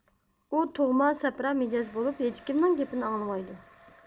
ئۇ تۇغما سەپرا مىجەز بولۇپ ھېچكىمنىڭ گېپىنى ئاڭلىمايدۇ